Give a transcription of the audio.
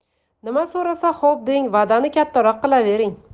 nima so'rasa xo'p deng va'dani kattaroq qilavering